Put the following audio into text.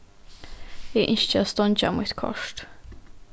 eg ynski at steingja mítt kort